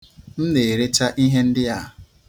M na-erecha ihe ndị a.